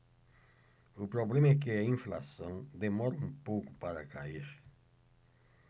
o problema é que a inflação demora um pouco para cair